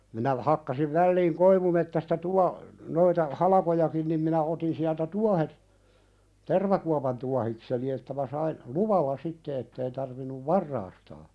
minä hakkasin väliin koivumetsästä - noita halkojakin niin minä otin sieltä tuohet tervakuopan tuohikseni että minä sain luvalla sitten että ei tarvinnut varastaa